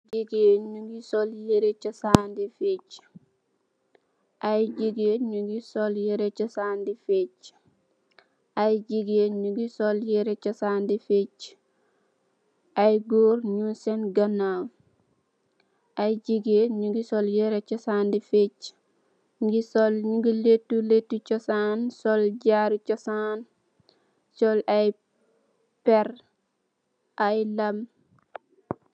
Aye gigeen nyunge suloh yereh chosan di fecheh aye goor nyunge sen ganaw yunge letuh letuh chosan sul jaroh chosan aye perr ak aye lamm